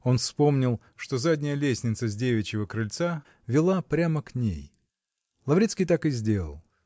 он вспомнил, что задняя лестница с девичьего крыльца вела прямо к ней. Лаврецкий так и сделал.